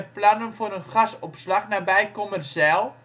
plannen voor een gasopslag nabij Kommerzijl